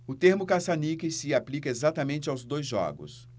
o termo caça-níqueis se aplica exatamente aos dois jogos